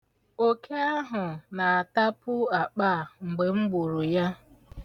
Oke ahụ na-atapu akpa a mgbe m gburu ya.